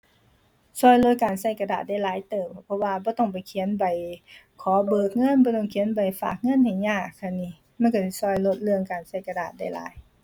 ช่วยลดการช่วยกระดาษได้หลายเติบ เพราะว่าบ่ต้องไปเขียนใบขอเบิกเงิน บ่ต้องเขียนใบฝากเงินให้ยาก อันนี้ มันช่วยสิช่วยลดเรื่องการช่วยกระดาษได้หลาย